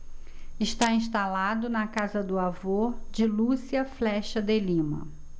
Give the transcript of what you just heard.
está instalado na casa do avô de lúcia flexa de lima